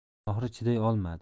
oxiri chiday olmadi